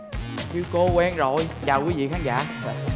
như cô quen rồi chào quý vị khán giả